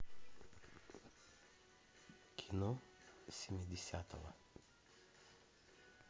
кино семидесятого